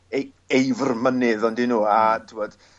...ei- eifr mynydd on'd 'yn n'w a t'mod